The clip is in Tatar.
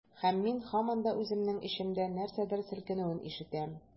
Һәм мин һаман да үземнең эчемдә нәрсәдер селкенүен ишетәм.